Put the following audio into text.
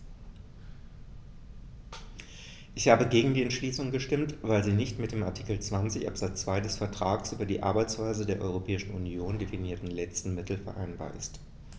Ich habe gegen die Entschließung gestimmt, weil sie nicht mit dem in Artikel 20 Absatz 2 des Vertrags über die Arbeitsweise der Europäischen Union definierten letzten Mittel vereinbar ist.